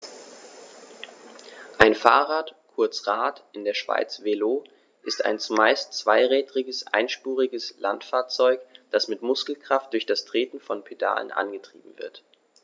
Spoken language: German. Ein Fahrrad, kurz Rad, in der Schweiz Velo, ist ein zumeist zweirädriges einspuriges Landfahrzeug, das mit Muskelkraft durch das Treten von Pedalen angetrieben wird.